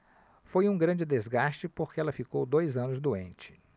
foi um grande desgaste porque ela ficou dois anos doente